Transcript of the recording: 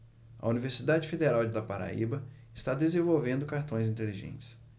a universidade federal da paraíba está desenvolvendo cartões inteligentes